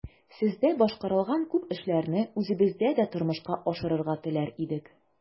Сездә башкарылган күп эшләрне үзебездә дә тормышка ашырырга теләр идек.